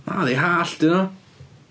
Nadi, hallt ydyn nhw.